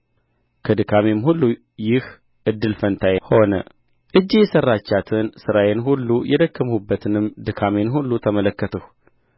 ከድካሜም ሁሉ ይህ እድል ፈንታዬ ሆነ እጄ የሠራቻችን ሥራዬን ሁሉ የደከምሁበትንም ድካሜን ሁሉ ተመለከትሁ